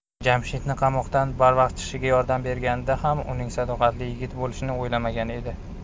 jamshidni qamoqdan barvaqt chiqishiga yordam berganida ham uning sadoqatli yigit bo'lishini o'ylamagan edi